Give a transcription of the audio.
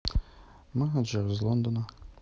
менеджер из лондона